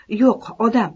yo'q odam